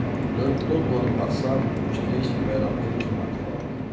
durante todo o ano passado os três tiveram apenas uma falta